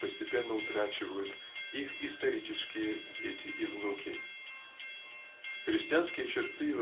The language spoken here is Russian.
постепенно утрачивают их исторические дети и внуки. Христианские черты